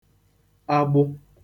agbụ